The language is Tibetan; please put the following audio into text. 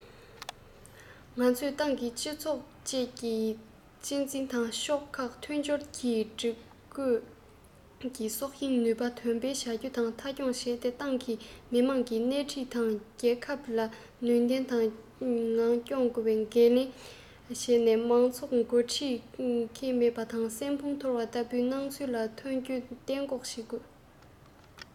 ང ཚོས ཏང གི སྤྱི ཡོངས གཅིག འཛིན དང ཕྱོགས ཁག མཐུན སྦྱོར གྱི འགོ ཁྲིད ཀྱི སྲོག ཤིང ནུས པ འདོན སྤེལ བྱ རྒྱུ མཐའ འཁྱོངས བྱས ཏེ ཏང གིས མི དམངས སྣེ ཁྲིད དེ རྒྱལ ཁབ ནུས ལྡན ངང སྐྱོང རྒྱུའི འགན ལེན བྱས ནས མང ཚོགས འགོ འཁྲིད མཁན མེད པ དང སྲན ཕུང ཐོར བ ལྟ བུའི སྣང ཚུལ ཐོན རྒྱུ གཏན འགོག བྱེད དགོས